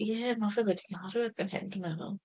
Ie, ma' fe wedi marw erbyn hyn, dwi'n meddwl.